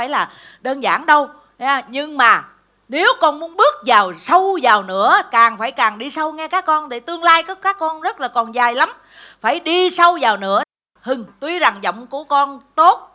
phải là đơn giản đâu nghe nhưng mà nếu con muốn bước vào sâu vào nữa càng phải càng đi sâu nghe các con để tương lai của các con rất là còn dài lắm phải đi sâu vào nữa hưng tuy rằng giọng của con tốt